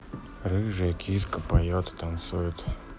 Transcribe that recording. рыжая киска поет и танцует